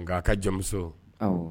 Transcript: Nka a ka jamumuso